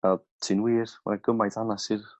a ti'n wir ma' 'na gymaint o hanas i'r